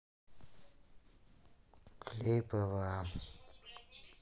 клей пва